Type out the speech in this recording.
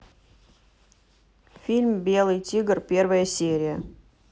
фильм белый тигр первая серия